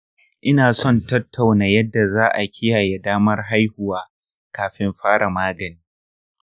ina son tattauna yadda za a kiyaye damar haihuwa kafin fara magani.